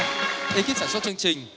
ê kíp sản xuất chương trình